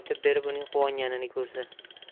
aytib berib uning quvonganini ko'rsa